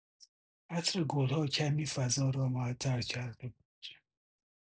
عطر گل‌ها کمی فضا را معطر کرده بود.